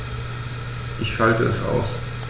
Ich schalte es aus.